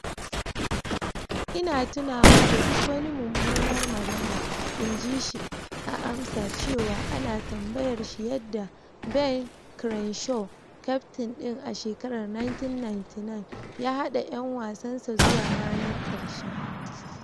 "Ina tunawa da duk wani mummunar magana," in ji shi a amsa cewa ana tambayar shi yadda Ben Crenshaw, kyaftin din a shekarar 1999, ya haɗa 'yan wasansa zuwa ranar ƙarshe.